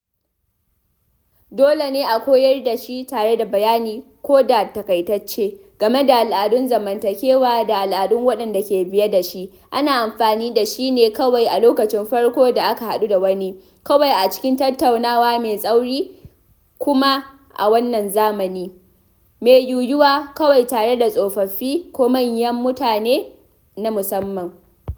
Dole ne a koyar da shi tare da bayani, ko da taƙaitacce, game da al’adun zamantakewa da al’adu waɗanda ke biye da shi: Ana amfani da shi ne kawai a lokacin farko da ka hadu da wani, kawai a cikin tattaunawa mai tsauri, kuma a wannan zamani, mai yiwuwa kawai tare da tsofaffi ko manyan mutane na musamman.